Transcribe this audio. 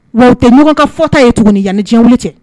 Wa u tɛɲɔgɔn ka fɔta ye tuguni yanani jan wuli cɛ